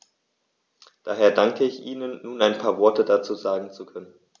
Daher danke ich Ihnen, nun ein paar Worte dazu sagen zu können.